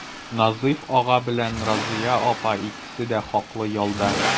Назыйф ага белән Разыя апа икесе дә хаклы ялда.